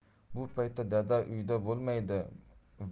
bu paytda dada uyda bo'lmaydi va